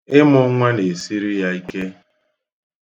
Ịmụ nnwa na-esiri ya ike.